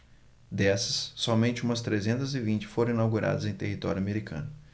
dessas somente umas trezentas e vinte foram inauguradas em território americano